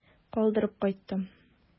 Калдырып кайттым.